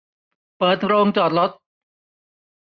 เปิดโรงจอดรถ